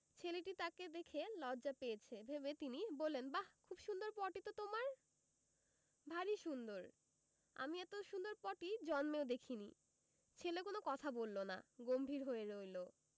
ছেলেটি তাকে দেখে লজ্জা পেয়েছে ভেবে তিনি বললেন বাহ খুব সুন্দর পটি তো তোমার ভারী সুন্দর আমি এত সুন্দর পটি জন্মেও দেখিনি ছেলেটি কোন কথা বলল না গম্ভীর হয়ে রইল